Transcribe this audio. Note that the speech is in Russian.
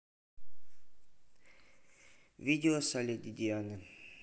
видео со леди дианы